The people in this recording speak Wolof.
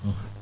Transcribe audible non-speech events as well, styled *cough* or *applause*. *hesitation* *hesitation*